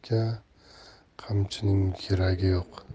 otga qamchining keragi yo'q